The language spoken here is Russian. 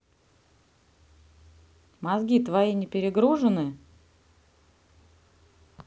мозги твои не перегружены